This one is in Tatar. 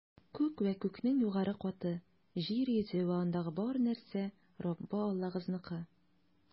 Күк вә күкнең югары каты, җир йөзе вә андагы бар нәрсә - Раббы Аллагызныкы.